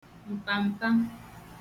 m̀pàm̀pa